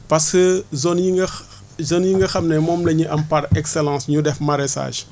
parce que zone yi nga xa zone yi nga xam ne moom la ñu am par excellence ñu def maraîchage